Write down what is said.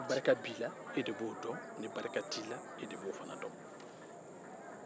ni barika b'i la e de b'o dɔn ni barika fana t'i la e de b'o fana dɔn